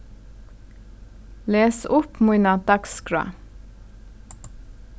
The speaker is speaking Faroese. les upp mína dagsskrá